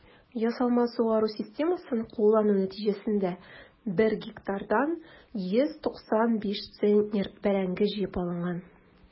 Ясалма сугару системасын куллану нәтиҗәсендә 1 гектардан 185 центнер бәрәңге җыеп алынган.